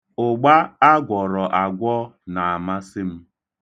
Ụgba a gwọrọ agwọ na-amasị m.